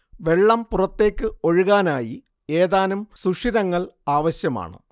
വെള്ളം പുറത്തേക്ക് ഒഴുകാനായി ഏതാനും സുഷിരങ്ങൾ ആവശ്യമാണ്